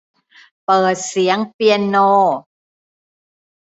เปิดเสียงเปียโน